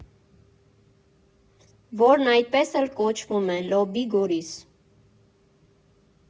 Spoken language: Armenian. Որն այդպես էլ կոչվում է ՝ Լոբի Գորիս։